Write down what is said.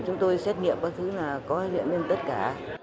chúng tôi xét nghiệm các thứ là có hiện lên tất cả